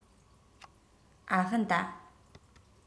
ཨ ཧྥེན ཏ